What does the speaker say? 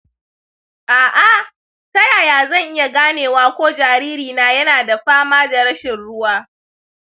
a'a, ta yaya zan iya ganewa ko jaririna yana da fama da rashin ruwa?